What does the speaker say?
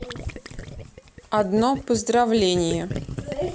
одно поздравление